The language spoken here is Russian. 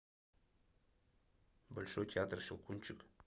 большой театр щелкунчик